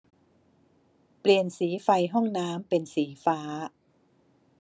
เปลี่ยนสีไฟห้องน้ำเป็นสีฟ้า